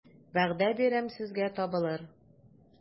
Вәгъдә бирәм сезгә, табылыр...